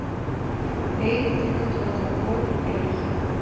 эй ты кто такой эй